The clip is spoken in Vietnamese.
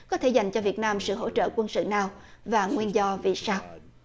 có thể dành cho việt nam sự hỗ trợ quân sự nào và nguyên do vì sao